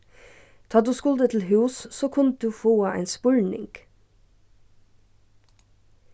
tá tú skuldi til hús so kundi tú fáa ein spurning